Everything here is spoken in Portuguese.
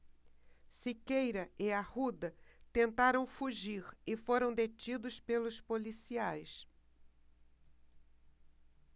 siqueira e arruda tentaram fugir e foram detidos pelos policiais